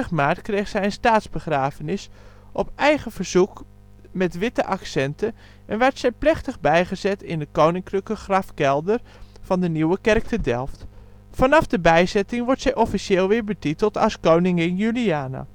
maart kreeg zij een staatsbegrafenis (op eigen verzoek met witte accenten) en werd zij plechtig bijgezet in de koninklijke grafkelder van de Nieuwe Kerk te Delft. Vanaf de bijzetting wordt zij officieel weer betiteld als ' Koningin Juliana